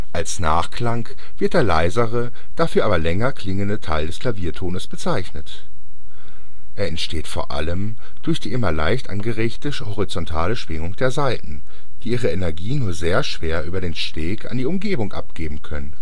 Als Nachklang wird der leisere, dafür aber länger klingende Teil des Klaviertones bezeichnet. Er entsteht vor allem durch die immer leicht angeregte horizontale Schwingung der Saiten, die ihre Energie nur sehr schwer über den Steg an die Umgebung abgeben können